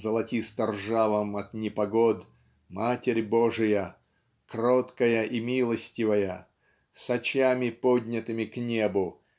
золотисто-ржавом от непогод Матерь Божия кроткая и милостивая с очами поднятыми к небу